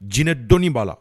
Jinɛ dɔni b'a la